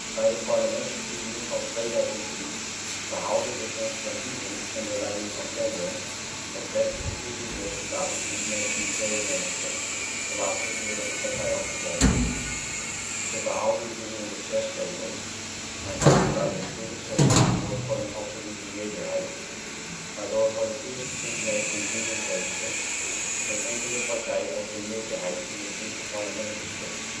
Bij de parlementsverkiezingen van 2010 behaalde de Conservatieven onder leiding van Cameron het beste verkiezingsresultaat sinds 1992 (de laatste keer dat de partij had gewonnen). Zij behaalden 306 zetels, maar kwamen daarmee 20 zetels tekort voor een absolute meerderheid, waardoor voor het eerst sinds 1974 geen enkele partij over een meerderheid in het Britse parlement beschikt